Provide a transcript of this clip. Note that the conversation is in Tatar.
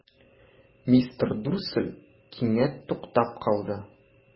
Мистер Дурсль кинәт туктап калды.